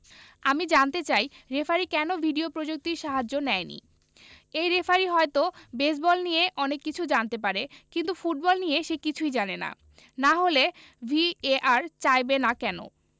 আমি জানতে চাই রেফারি কেন ভিডিও প্রযুক্তির সাহায্য নেয়নি এই রেফারি হয়তো বেসবল নিয়ে অনেক কিছু জানতে পারে কিন্তু ফুটবল নিয়ে সে কিছুই জানে না না হলে ভিএআর চাইবে না কেন